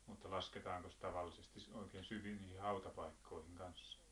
mutta lasketaankos - oikein syviin niihin hautapaikkoihin kanssa